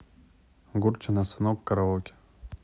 гурченко сынок караоке